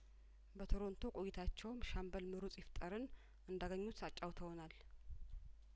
በቶሮንቶ ቆይታቸውም ሻምበል ምሩጽ ይፍጠርን እንዳገኙት አጫውተውናል